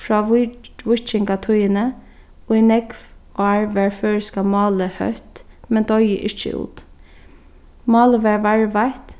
frá víkingatíðini í nógv ár var føroyska málið hótt men doyði ikki út málið varð varðveitt